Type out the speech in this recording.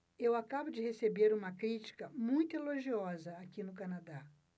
eu acabo de receber uma crítica muito elogiosa aqui no canadá